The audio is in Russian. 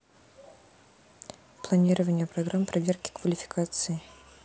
планирование программ проверки квалификации